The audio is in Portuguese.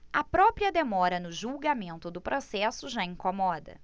a própria demora no julgamento do processo já incomoda